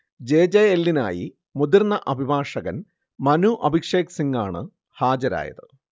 J. J. എല്ലിനായി മുതിർന്ന അഭിഭാഷകൻ മനു അഭിഷേക് സിങ്ങാണ് ഹാജരായത്